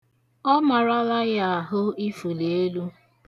Ọ marala ya ahụ ifuli elu.